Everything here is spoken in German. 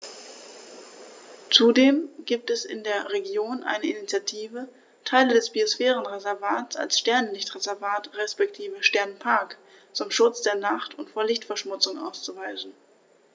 Zudem gibt es in der Region eine Initiative, Teile des Biosphärenreservats als Sternenlicht-Reservat respektive Sternenpark zum Schutz der Nacht und vor Lichtverschmutzung auszuweisen.